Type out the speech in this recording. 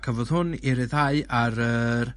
...cafodd hwn 'i ryddhau ar yr